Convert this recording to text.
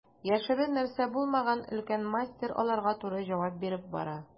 Яшерер нәрсәсе булмаган өлкән мастер аларга туры җавап биреп бара.